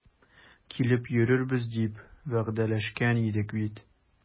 Килеп йөрербез дип вәгъдәләшкән идек бит.